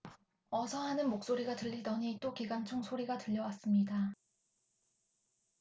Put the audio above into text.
어서 하는 목소리가 들리더니 또 기관총 소리가 들려왔습니다